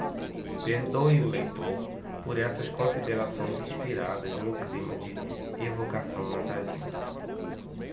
perdoe o leitor por essas considerações inspiradas no clima de evocação natalino